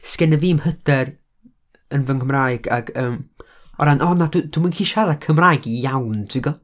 'sgenna fi'm hyder yn fy Nghymraeg, ag, yym, o ran, o na, dw- dwi'm yn gallu siarad Cymraeg iawn, tibod?